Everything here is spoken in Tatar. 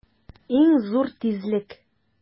Иң зур тизлек!